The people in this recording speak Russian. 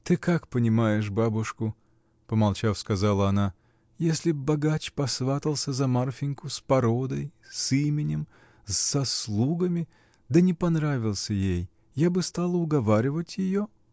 Ты как понимаешь бабушку, — помолчав, начала она, — если б богач посватался за Марфиньку, с породой, с именем, с заслугами, да не понравился ей — я бы стала уговаривать ее?